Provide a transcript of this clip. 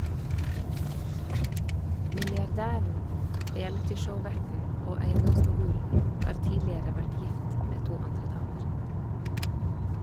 Milliardæren, realityshow-verten og eiendomsmogulen har tidligere vært gift med to andre damer.